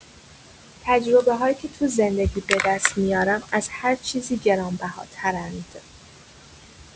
تجربه‌هایی که تو زندگی به دست میاری، از هر چیزی گرانبهاترند.